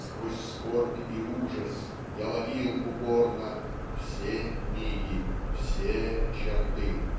Сквозь скорбь и ужас я ловил упорно Все миги все черты.